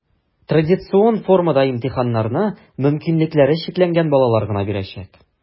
Традицион формада имтиханнарны мөмкинлекләре чикләнгән балалар гына бирәчәк.